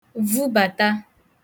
vubàta